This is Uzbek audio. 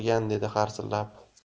qilgan dedi harsillab